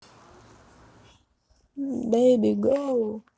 baby go